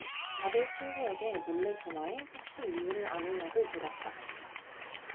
아들 친구에게 몰래 전화해 혹시 이유를 아느냐고 물었다